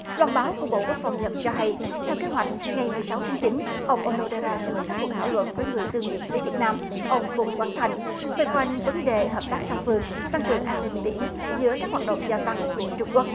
loan báo của bộ quốc phòng nhật cho hay theo kế hoạch ngày mười sáu tháng chín ông ô nô đê ra sẽ có các cuộc thảo luận với người tương nhiệm phía việt nam ông phùng quang thanh xoay quanh vấn đề hợp tác song phương tăng cường an ninh biển giữa các hoạt động gia tăng của trung quốc